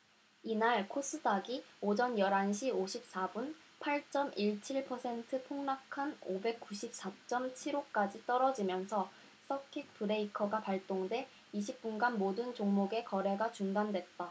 이날 코스닥이 오전 열 한 시 오십 사 분 팔 쩜 일 칠 퍼센트 폭락한 오백 구십 사 쩜 칠 오 까지 떨어지면서 서킷 브레이커가 발동돼 이십 분간 모든 종목의 거래가 중단됐다